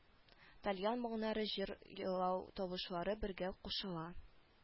Тальян моңнары җыр елау тавышлары бергә кушыла